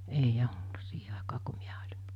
ei ollut siihen aikaan kun minä olin